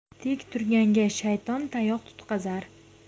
tek turganga shayton tayoq tutqazar